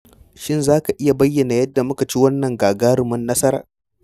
Shin za ka iya bayyana yadda muka ci wannann gagarumar nasarar?